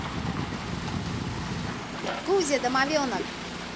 кузя домовенок